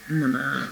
Ma